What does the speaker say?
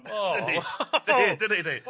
Dydi, dydi?